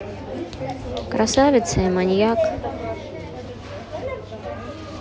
красавица и маньяк